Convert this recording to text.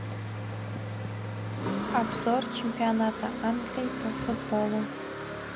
обзор чемпионата англии по футболу